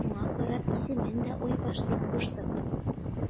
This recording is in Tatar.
Шуңа карап исемен дә Айбаш дип куштык.